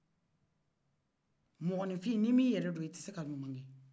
mɔgɔ nifin n'i ma yɛrɛ don i te se ka ɲuman kɛ koyi